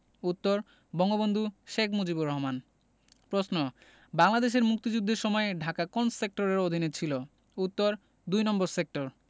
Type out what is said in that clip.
উত্তর বঙ্গবন্ধু শেখ মুজিবুর রহমান প্রশ্ন বাংলাদেশের মুক্তিযুদ্ধের সময় ঢাকা কোন সেক্টরের অধীনে ছিলো উত্তর দুই নম্বর সেক্টর